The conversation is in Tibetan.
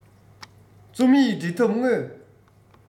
རྩོམ ཡིག འབྲི ཐབས དངོས